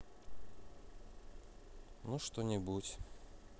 ну что нибудь